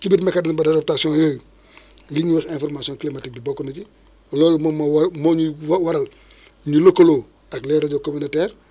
ci biir mécanisme d' adaptation yooyu li ñuy wax information climatique bi bokk na ci loolu moom moo war moo ñuy wa waral ñu lëkkaloo ak les rajo communautaires